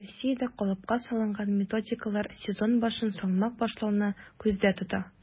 Россиядә калыпка салынган методикалар сезон башын салмак башлауны күздә тота: